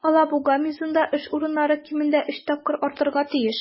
"алабуга" мизында эш урыннары кимендә өч тапкырга артарга тиеш.